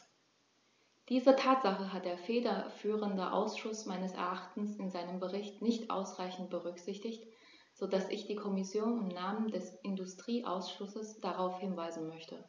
Diese Tatsache hat der federführende Ausschuss meines Erachtens in seinem Bericht nicht ausreichend berücksichtigt, so dass ich die Kommission im Namen des Industrieausschusses darauf hinweisen möchte.